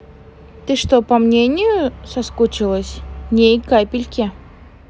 ты че по мнению соскучилась ней капельки